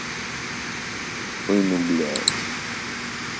ой ну блять